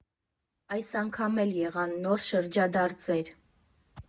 Այս անգամ էլ եղան նոր շրջադարձեր.